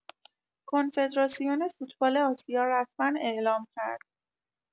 کنفدراسیون فوتبال آسیا رسما اعلام کرد